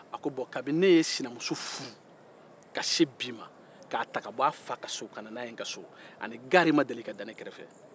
a ko bɔn kabini ne ye sinamuso furu ka se bi ma k'a ta ka bɔ a fa ka so ka nana ye n ka so ani gari ma deli ka da ne kɛrɛfɛ